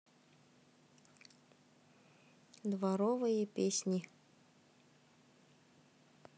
дворовые песни